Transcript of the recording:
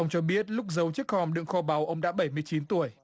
ông cho biết lúc giàu chiếc hòm đựng kho báu ông đã bảy mươi chín tuổi